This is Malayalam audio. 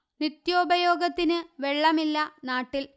നിത്യോപയോഗത്തിന് വെള്ളമില്ല നാട്ടില്